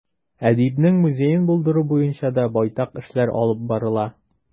Әдипнең музеен булдыру буенча да байтак эшләр алып барыла.